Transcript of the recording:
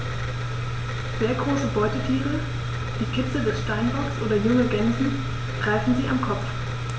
Sehr große Beutetiere wie Kitze des Steinbocks oder junge Gämsen greifen sie am Kopf.